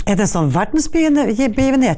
er det sånn begivenhet?